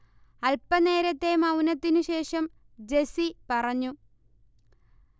അല്പ്പനേരത്തെ മൌനത്തിനു ശേഷം ജെസ്സി പറഞ്ഞു